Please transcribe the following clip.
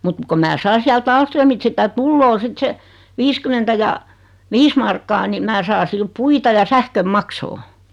mutta kun minä sain sieltä Ahlströmiltä sitä tulee sitten se viisikymmentä ja viisi markkaa niin minä saan sillä puita ja sähkön maksaa